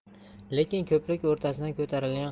lekin ko'prik o'rtasidan ko'tarilgan